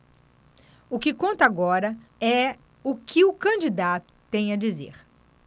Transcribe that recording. o que conta agora é o que o candidato tem a dizer